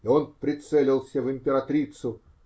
И он прицелился в императрицу.